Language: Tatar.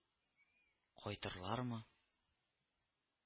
Кайтырлармы